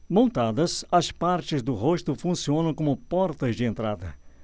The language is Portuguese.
montadas as partes do rosto funcionam como portas de entrada